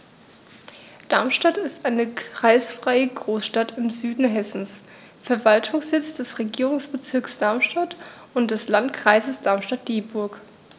Darmstadt ist eine kreisfreie Großstadt im Süden Hessens, Verwaltungssitz des Regierungsbezirks Darmstadt und des Landkreises Darmstadt-Dieburg.